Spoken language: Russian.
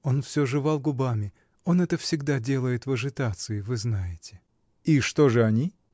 Он всё жевал губами: он это всегда делает в ажитации, вы знаете. — И что же они?